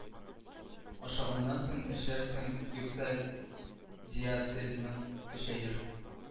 Ашаганнан соң эчәрсең юкса диатезың көчәер